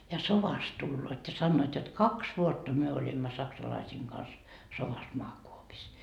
ja sodasta tulevat ja sanovat jotta kaksi vuotta me olimme saksalaisten kanssa sodassa maakuopissa